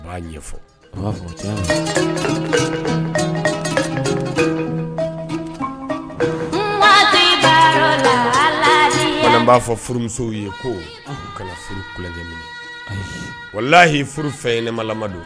B'a ɲɛfɔ b'a fɔ furumuso ye ko walahi furu fɛma don